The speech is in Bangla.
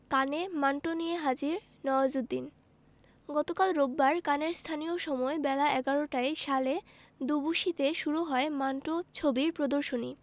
কানে মান্টো নিয়ে হাজির নওয়াজুদ্দিন গতকাল রোববার কানের স্থানীয় সময় বেলা ১১টায় সালে দুবুসিতে শুরু হয় মান্টো ছবির প্রদর্শনী